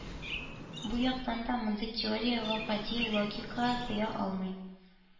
Бу яктан да мондый теория гап-гади логикага сыя алмый,